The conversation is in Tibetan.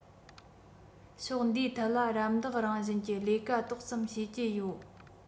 ཕྱོགས འདིའི ཐད ལ རམ འདེགས རང བཞིན གྱི ལས ཀ ཏོག ཙམ བྱེད ཀྱི ཡོད